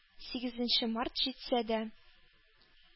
Сигезенче март җитсә дә,